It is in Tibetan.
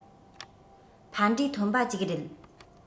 ཕན འབྲས ཐོན པ ཅིག རེད